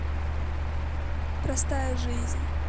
простая жизнь